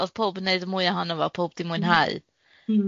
o'dd pawb yn neud y mwya ohono fo, pawb di mwynhau.